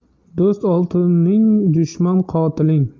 do'st oltining dushman qotiling